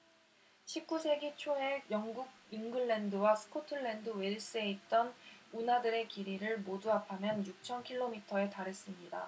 십 구 세기 초에 영국 잉글랜드와 스코틀랜드 웨일스에 있던 운하들의 길이를 모두 합하면 육천 킬로미터에 달했습니다